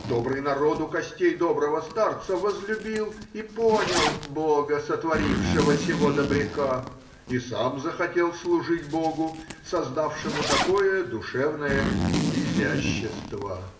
Добрый народ у костей доброго старца возлюбил и понял бога, сотворившего сего добряка, и сам захотел служить богу, создавшему такое душевное изящество.